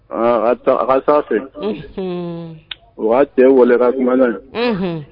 A sa fɛ o cɛ wa kaumana ye